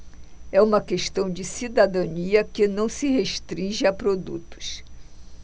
é uma questão de cidadania que não se restringe a produtos